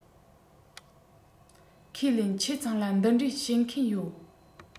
ཁས ལེན ཁྱེད ཚང ལ འདི འདྲའི བྱེད མཁན ཡོད